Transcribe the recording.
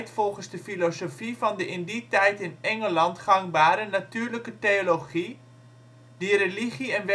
volgens de filosofie van de in die tijd in Engeland gangbare natuurlijke theologie, die religie en